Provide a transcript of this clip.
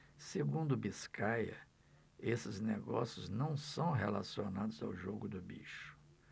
segundo biscaia esses negócios não são relacionados ao jogo do bicho